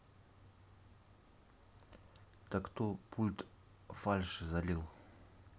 так кто пульт фальши залил